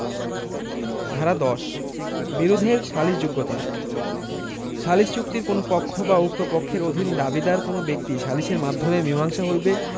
ধারা ১০ বিরোধের সালিসযোগ্যতাঃ সালিস চুক্তির কোন পক্ষ বা উক্ত পক্ষের অধীন দাবীদার কোন ব্যক্তি সালিসের মাধ্যমে মীসাংসা হইবে